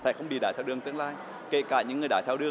để không bị đái tháo đường tương lai kể cả những người đái tháo đường